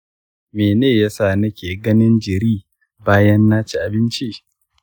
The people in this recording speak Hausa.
mene yasa nake ganin jiri bayan naci abinci?